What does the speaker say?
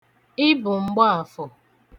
Ị bụ mgbaafọ.